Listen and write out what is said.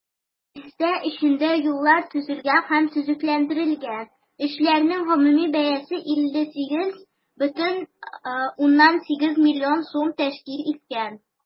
Бистә эчендә юллар төзелгән һәм төзекләндерелгән, эшләрнең гомуми бәясе 58,8 миллион сум тәшкил иткән.